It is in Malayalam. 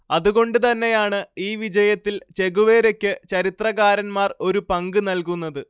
അതുകൊണ്ടുതന്നെയാണ് ഈ വിജയത്തിൽ ചെഗുവേരയ്ക്ക് ചരിത്രകാരന്മാർ ഒരു പങ്ക് നല്കുന്നത്